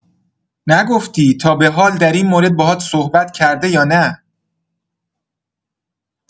نگفتی، تا به حال در این مورد باهات صحبت کرده یا نه؟